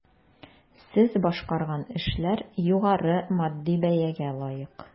Сез башкарган эшләр югары матди бәягә лаек.